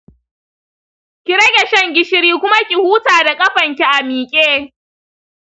ki rage shan gishiri kuma ki huta da kafan ki a mike.